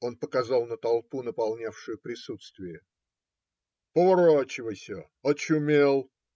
Он показал на толпу, наполнявшую присутствие. - Поворачивайся. очумел.